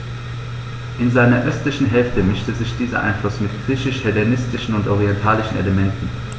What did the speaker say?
In seiner östlichen Hälfte mischte sich dieser Einfluss mit griechisch-hellenistischen und orientalischen Elementen.